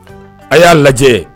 A y'a lajɛ